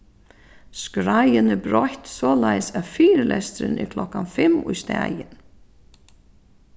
skráin er broytt soleiðis at fyrilesturin er klokkan fimm í staðin